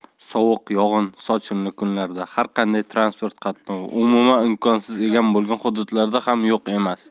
sovuq yog'in sochinli kunlarda har qanday transport qatnovi umuman imkonsiz bo'lgan hududlar ham yo'q emas